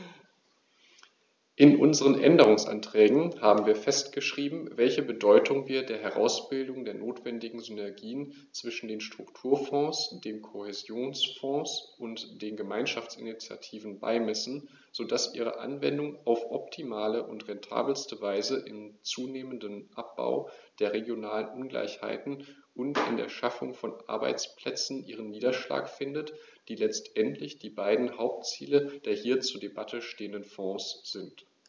In unseren Änderungsanträgen haben wir festgeschrieben, welche Bedeutung wir der Herausbildung der notwendigen Synergien zwischen den Strukturfonds, dem Kohäsionsfonds und den Gemeinschaftsinitiativen beimessen, so dass ihre Anwendung auf optimale und rentabelste Weise im zunehmenden Abbau der regionalen Ungleichheiten und in der Schaffung von Arbeitsplätzen ihren Niederschlag findet, die letztendlich die beiden Hauptziele der hier zur Debatte stehenden Fonds sind.